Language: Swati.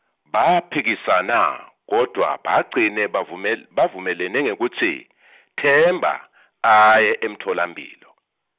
baphikisana kodvwa bagcine bavumel- bavumelene ngekutsi , Themba , aye emtfolamphilo.